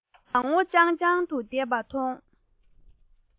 ད ལྟ ཡང སྔོ ལྗང ལྗང དུ ཡོད པ མཐོང